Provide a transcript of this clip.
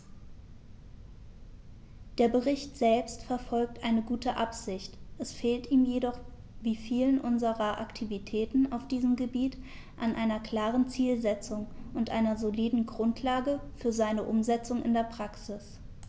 Der Bericht selbst verfolgt eine gute Absicht, es fehlt ihm jedoch wie vielen unserer Aktivitäten auf diesem Gebiet an einer klaren Zielsetzung und einer soliden Grundlage für seine Umsetzung in die Praxis.